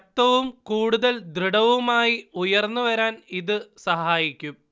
ശക്തവും കൂടുതൽ ദൃഡവുമായി ഉയർന്നു വരാൻ ഇത് സഹായിക്കും